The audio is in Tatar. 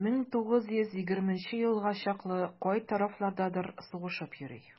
1920 елга чаклы кай тарафлардадыр сугышып йөри.